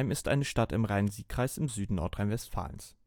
ist eine Stadt im Rhein-Sieg-Kreis im Süden Nordrhein-Westfalens